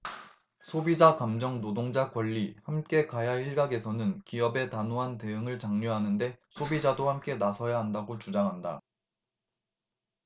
소비자 감정노동자 권리 함께 가야일각에서는 기업의 단호한 대응을 장려하는데 소비자도 함께 나서야 한다고 주장한다